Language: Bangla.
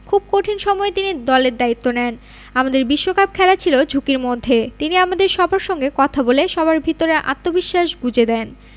খুব কঠিন সময়ে তিনি দলের দায়িত্ব নেন আমাদের বিশ্বকাপ খেলা ছিল ঝুঁকির মধ্যে তিনি আমাদের সবার সঙ্গে কথা বলে সবার ভেতরে আত্মবিশ্বাস গুঁজে দেন